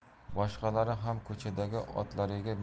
boshqalari ham ko'chadagi otlariga